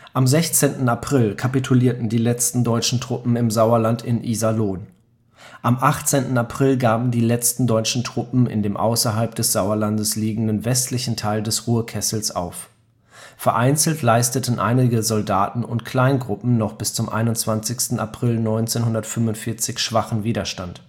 Am 16. April kapitulierten die letzten deutschen Truppen im Sauerland in Iserlohn. Am 18. April gaben die letzten deutschen Truppen in dem außerhalb des Sauerlandes liegenden westlichen Teil des Ruhrkessels auf. Vereinzelt leisteten einige Soldaten und Kleingruppen noch bis zum 21. April 1945 schwachen Widerstand